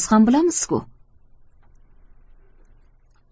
ham bilamiz ku